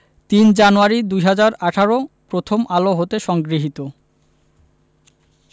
৩ January ২০১৮ Prothom Alo হতে সংগৃহীত